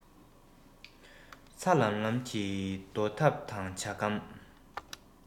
ཚ ལམ ལམ གྱི རྡོ ཐབ དང ཇ སྒམ